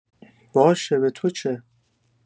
باشه به تو چه؟